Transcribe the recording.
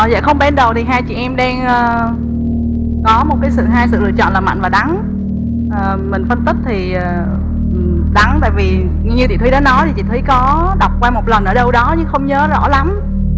không ban đầu thì hai chị em đang có một cái sự hai sự lựa chọn là mặn và đắng mình phân tích thì đắng tại vì như chị thúy đã nói là chị thúy có đọc qua một lần ở đâu đó nhưng không nhớ rõ lắm